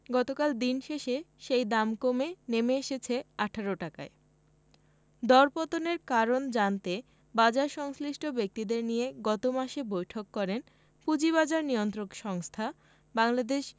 গতকাল দিন শেষে সেই দাম কমে নেমে এসেছে ১৮ টাকায় দরপতনের কারণ জানতে বাজারসংশ্লিষ্ট ব্যক্তিদের নিয়ে গত মাসে বৈঠক করেন পুঁজিবাজার নিয়ন্ত্রক সংস্থা বাংলাদেশ